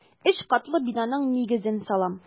Өч катлы бинаның нигезен салам.